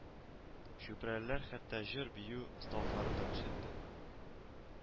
Чүпрәлеләр хәтта җыр-бию осталыкларын да күрсәтте